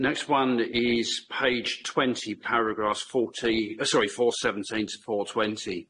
Yym next one is page twenty paragraph forty yy sorry four seventeen to four twenty.